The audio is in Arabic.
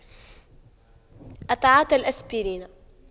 أتعاطى الأسبرين